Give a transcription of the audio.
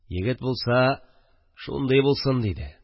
Егет булса шундый булсын, диде